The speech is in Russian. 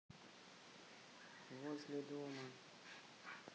возле дома